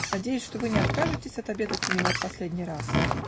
надеюсь, что вы не откажетесь отобедать у меня в последний раз.